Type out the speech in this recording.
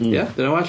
Ia, 'di hynna'n well?